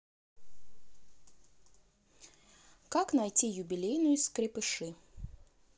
как найти юбилейную из скрепыши